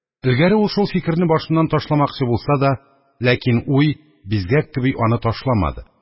Элгәре ул шул фикерне башыннан ташламакчы булса да, ләкин уй, бизгәк кеби, аны ташламады.